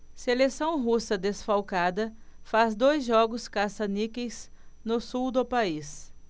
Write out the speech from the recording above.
seleção russa desfalcada faz dois jogos caça-níqueis no sul do país